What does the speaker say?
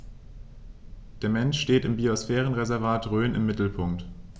Der Mensch steht im Biosphärenreservat Rhön im Mittelpunkt.